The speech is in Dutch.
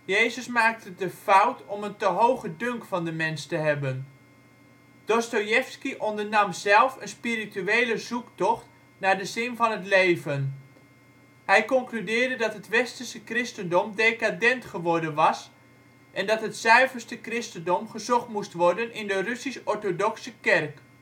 Jezus maakte de fout om een te hoge dunk van de mens te hebben. Dostojevski ondernam zelf een spirituele zoektocht naar de zin van het leven. Hij concludeerde dat het westerse christendom decadent geworden was en dat het zuiverste christendom gezocht moest worden bij de Russisch-orthodoxe Kerk